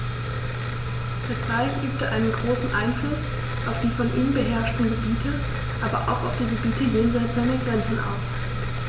Das Reich übte einen großen Einfluss auf die von ihm beherrschten Gebiete, aber auch auf die Gebiete jenseits seiner Grenzen aus.